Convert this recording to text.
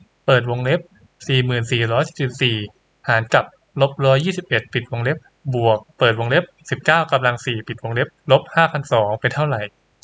เปิดวงเล็บสี่หมื่นสีร้อยสี่สิบสี่หารกับลบร้อยยี่สิบเอ็ดปิดวงเล็บบวกเปิดวงเล็บสิบเก้ากำลังสี่ปิดวงเล็บลบห้าพันสองเป็นเท่าไหร่